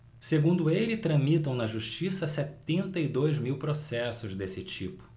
segundo ele tramitam na justiça setenta e dois mil processos desse tipo